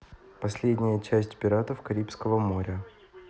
последняя часть пиратов карибского моря